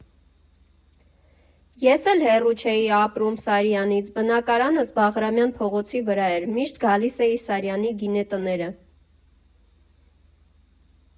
Ես էլ հեռու չէի ապրում Սարյանից, բնակարանս Բաղրամյան փողոցի վրա էր, միշտ գալիս էի Սարյանի գինետները։